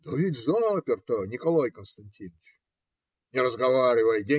- Да ведь заперто, Николай Константиныч. - Не разговаривай.